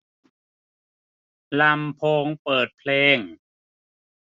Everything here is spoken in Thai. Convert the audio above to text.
ลำโพงเปิดเพลง